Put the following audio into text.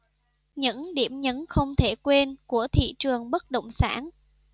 những điểm nhấn không thể quên của thị trường bất động sản